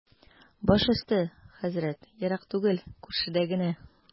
Баш өсте, хәзрәт, ерак түгел, күршедә генә.